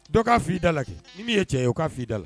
Dɔ k'a f' ii da la kɛ min' ye cɛ ye o'a f'i da la